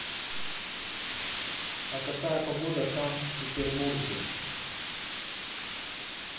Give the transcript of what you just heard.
а какая погода в санкт петербурге